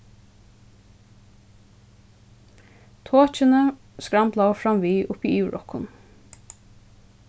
tokini skramblaðu framvið uppi yvir okkum